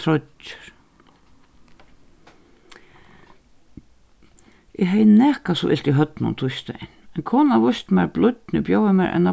troyggjur eg hevði nakað so ilt í høvdinum týsdagin ein kona vísti mær blídni og bjóðaði mær eina